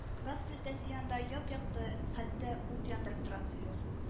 Газ плитәсе янында яп-якты, хәтта ут яндырып торасы юк